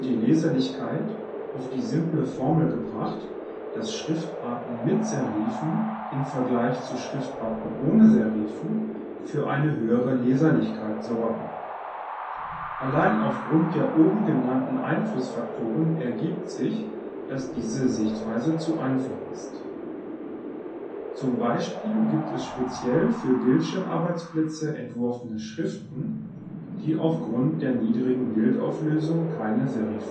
Leserlichkeit auf die simple Formel gebracht, dass Schriftarten mit Serifen im Vergleich zu Schriftarten ohne Serifen für eine höhere Leserlichkeit sorgen. Allein Aufgrund der oben genannten Einflußfaktoren ergibt sich, dass diese Sichtweise zu einfach ist. Zum Beispiel gibt es speziell für Bildschirmarbeitsplätze entworfene Schriften, die Aufgrund der niedrigen Bildauflösung keine Serifen